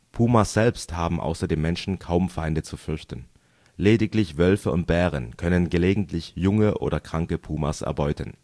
Pumas selbst haben außer dem Menschen kaum Feinde zu fürchten. Lediglich Wölfe und Bären können gelegentlich junge oder kranke Pumas erbeuten